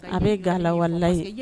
A bɛ galawalela ye